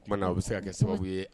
O tumana na aw bɛ se ka kɛ sababu ye